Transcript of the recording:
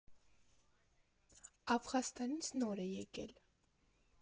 Աֆղանստանից նոր է եկել։